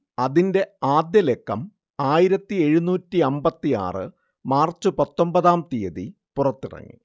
അതിന്റെ ആദ്യലക്കം ആയിരത്തിയെഴുന്നൂറ്റിയമ്പത്തിയാറ് മാർച്ച് പത്തൊമ്പതാം തിയതി പുറത്തിറങ്ങി